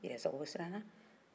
yɛrɛsago siranna